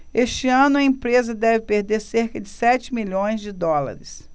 este ano a empresa deve perder cerca de sete milhões de dólares